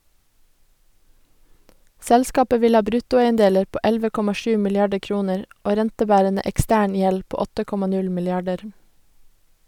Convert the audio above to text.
Selskapet vil ha bruttoeiendeler på 11,7 milliarder kroner og rentebærende ekstern gjeld på 8,0 milliarder.